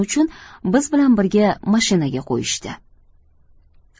uchun biz bilan birga mashinaga qo'yishdi